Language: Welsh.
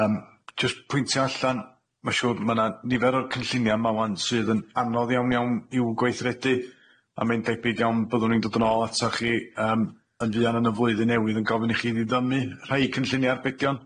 Yym jyst pwyntio allan ma' siŵr ma' na nifer o'r cynllunia' ma' ŵan sydd yn anodd iawn iawn i'w gweithredu a mae'n debyg iawn byddwn i'n dod yn ôl atoch chi yym yn fuan yn y flwyddyn newydd yn gofyn i chi ddyddymu rhai cynllunia arbedion.